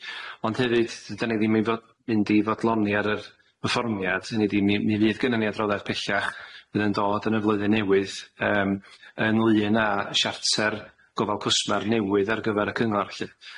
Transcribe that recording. Ond hefyd dydan ni ddim i fod- mynd i fodloni ar yr perfformiad, hynny 'di mi mi fydd gynnon ni adroddiad pellach fydd yn dod yn y flwyddyn newydd yym yn lŷn a siarter gofal cwsmer newydd ar gyfer y cyngor 'lly.